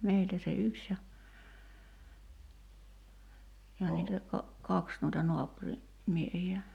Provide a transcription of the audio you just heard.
meiltä se yksi ja ja niitä - kaksi noita naapurin miehiä